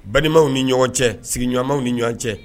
Balimaw ni ɲɔgɔn cɛ sigiɲɔgɔnw ni ɲɔgɔn cɛ